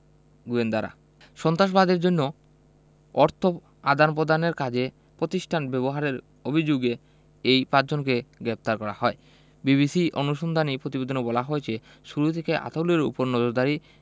গোয়েন্দারা সন্ত্রাসবাদের জন্য অর্থ আদান প্রদানের কাজে প্রতিষ্ঠান ব্যবহারের অভিযোগে এই পাঁচজনকে গ্রেপ্তার করা হয় বিবিসি অনুসন্ধানী প্রতিবেদনে বলা হয়েছে শুরু থেকেই আতাউলের ওপর নজরদারি